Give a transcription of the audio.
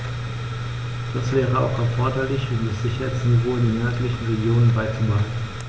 Das wäre auch erforderlich, um das Sicherheitsniveau in den nördlichen Regionen beizubehalten.